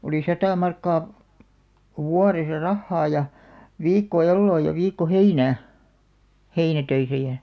oli sata markkaa vuodessa rahaa ja viikko eloa ja viikko heinää heinätöissä ja